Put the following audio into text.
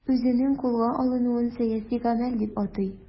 Үзенең кулга алынуын сәяси гамәл дип атый.